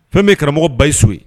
Fɛn bɛ ye karamɔgɔ basi ye so ye